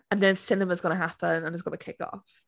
And then cinema's going to happen, and it's going to kick off.